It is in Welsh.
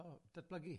O, datblygu?